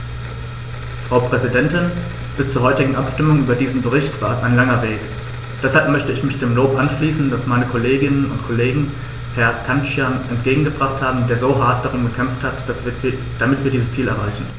Frau Präsidentin, bis zur heutigen Abstimmung über diesen Bericht war es ein langer Weg, deshalb möchte ich mich dem Lob anschließen, das meine Kolleginnen und Kollegen Herrn Cancian entgegengebracht haben, der so hart darum gekämpft hat, damit wir dieses Ziel erreichen.